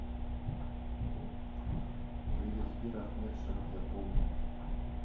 привет сбер ахмед шах я помню